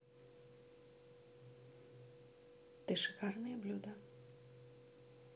ты шикарные блюда